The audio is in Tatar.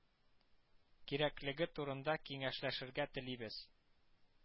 Кирәклеге турында киңәшләшергә телибез